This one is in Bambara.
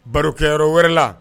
Barokɛyɔrɔ wɛrɛ la